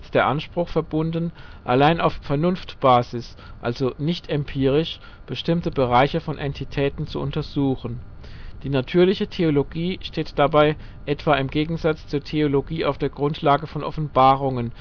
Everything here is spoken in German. der Anspruch verbunden, allein auf Vernunftbasis (also nicht-empirisch) bestimmte Bereiche von Entitäten zu untersuchen: Die natürliche Theologie steht dabei etwa im Gegensatz zur Theologie auf der Grundlage von Offenbarungen